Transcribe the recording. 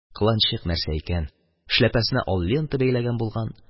Кыланчык нәрсә икән, эшләпәсенә ал лента бәйләгән булган.